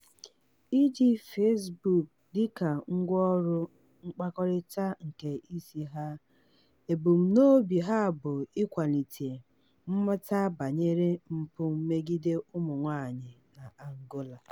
N'iji Facebook dịka ngwaọrụ mkpakọrịta nke isi ha, ebumnobi ha bụ ịkwalite mmata banyere mpụ megide ụmụ nwaanyị na Angola: